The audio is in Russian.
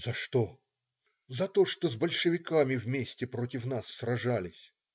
за что?" - "За то, что с большевиками вместе против нас сражались".